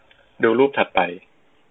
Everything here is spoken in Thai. ดูรูปถัดไป